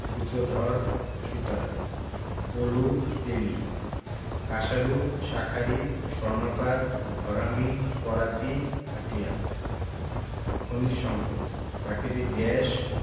সূত্রধর সুতার কলু তেলী কাঁসারু শাঁখারি স্বর্ণকার ঘরামি করাতি পাটিয়াল খনিজ সম্পদঃ প্রাকৃতিক গ্যাস